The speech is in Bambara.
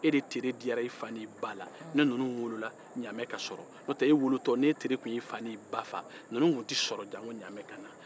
e de tere diyara i ba n'i fa la ninnu wolola ɲaamɛ ka sɔrɔ